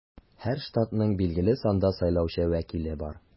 Һәр штатның билгеле санда сайлаучы вәкиле бар.